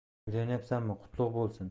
uylanyapsanmi qutlug' bo'lsin